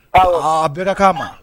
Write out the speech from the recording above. Aa a bɛ k'a ma